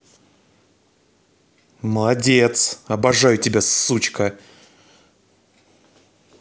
молодец обожаю тебя сучка